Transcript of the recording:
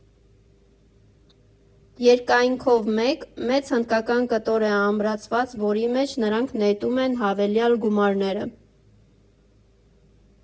Երկայնքով մեկ մեծ հնդկական կտոր է ամրացված, որի մեջ նրանք նետում են հավելյալ գումարները։